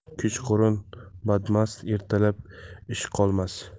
kechqurun badmast ertalab ishyoqmas